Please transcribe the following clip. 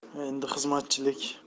endi xizmatchilik